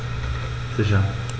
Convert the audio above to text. Sicher.